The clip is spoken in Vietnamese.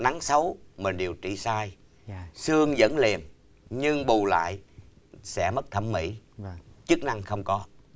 nắn xấu mà điều trị sai xương dẫn liền nhưng bù lại sẽ mất thẩm mỹ chức năng không có